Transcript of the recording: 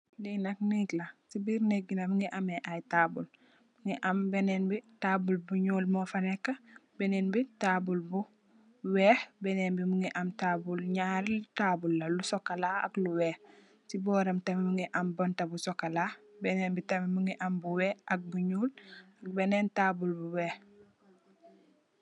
Fi nekla, si bir neg mbangi ameh ayi tabul, mun benen bi tabul bu nyul mofa neki, benen bi tabul bu weh, benen bi am nyari tabul bu chocola ak lu weh, si boram tamit am banta bu chocola, benen tam am luweh ak lu nyul, benen tabul bu weh.